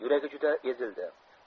yuragi juda ezildi